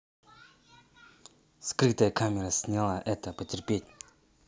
скрытая камера сняла это потерпеть